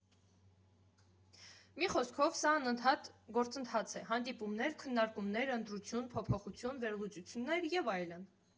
Մի խոսքով, սա անընդհատ գործընթաց է, հանդիպումներ, քննարկումներ, ընտրություն, փոփոխություն, վերլուծություններ և այլն։